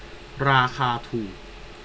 ราคาถูก